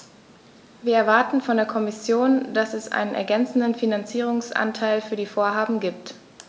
Wir erwarten von der Kommission, dass es einen ergänzenden Finanzierungsanteil für die Vorhaben gibt.